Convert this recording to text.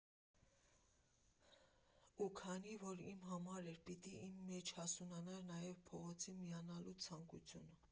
Ու քանի որ իմ համար էր, պիտի իմ մեջ հասունանար նաև փողոցին միանալու ցանկությունը։